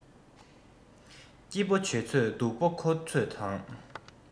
སྐྱིད པོ བྱེད ཚོད སྡུག པོའི འཁུར ཚོད དང